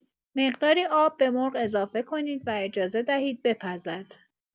مقداری آب به مرغ اضافه کنید و اجازه دهید بپزد.